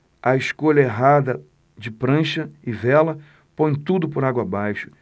a escolha errada de prancha e vela põe tudo por água abaixo